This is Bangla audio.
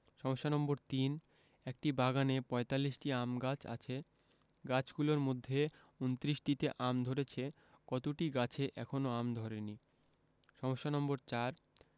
সমস্যা নম্বর ৩ একটি বাগানে ৪৫টি আম গাছ আছে গাছগুলোর মধ্যে ২৯টিতে আম ধরেছে কতটি গাছে এখনও আম ধরেনি সমস্যা নম্বর ৪